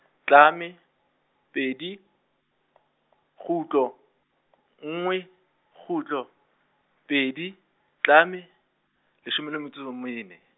tlame, pedi, kgutlo, nngwe, kgutlo, pedi, tlame, leshome le metso e mene.